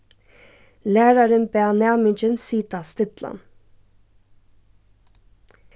lærarin bað næmingin sita stillan